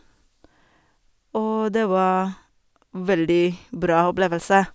Og det var veldig bra opplevelse.